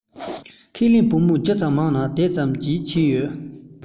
ཁས ལེན བུ ལོན ཇི ཙམ མང ན དེ ཙམ གྱིས ཆད ཡོད